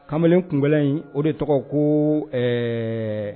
Kamalen kun gɛlɛn in o de tɔgɔ ko ɛɛ